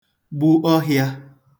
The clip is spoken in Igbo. gbu ọhịā